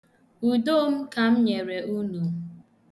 Udo m ka m nyere unu.